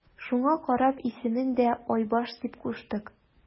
Шуңа карап исемен дә Айбаш дип куштык.